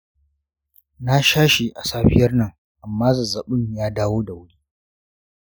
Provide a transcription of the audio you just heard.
na sha shi a safiyar nan, amma zazzabin ya dawo da wuri.